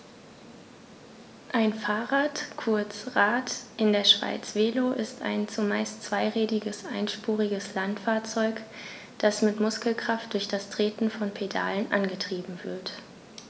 Ein Fahrrad, kurz Rad, in der Schweiz Velo, ist ein zumeist zweirädriges einspuriges Landfahrzeug, das mit Muskelkraft durch das Treten von Pedalen angetrieben wird.